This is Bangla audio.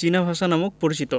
চীনা ভাষা নামে পরিচিত